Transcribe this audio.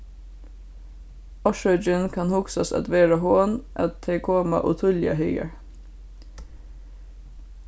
orsøkin kann hugsast at vera hon at tey koma ov tíðliga hagar